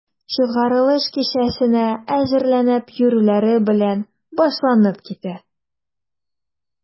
Чыгарылыш кичәсенә әзерләнеп йөрүләре белән башланып китә.